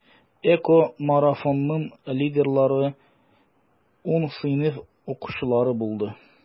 ЭКОмарафонның лидерлары 10 сыйныф укучылары булды.